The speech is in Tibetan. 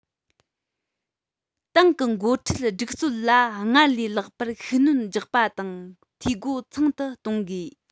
ཏང གི འགོ ཁྲིད སྒྲིག སྲོལ ལ སྔར ལས ལྷག པར ཤུགས སྣོན རྒྱག པ དང འཐུས སྒོ ཚང དུ གཏོང དགོས